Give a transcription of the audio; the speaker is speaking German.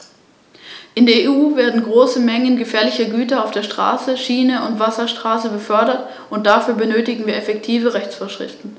Wir erhoffen uns daher vom Strukturfondsprogramm nicht nur eine wirtschaftliche Umstrukturierung, sondern eine weitreichendere Verbesserung der wirtschaftlichen Basis des Landesteils.